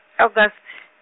August.